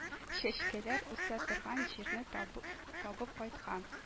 Чәчкәләр үсә торган җирне табып табып кайткан